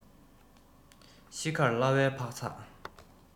ཤི ཁར གླ བའི འཕག ཚག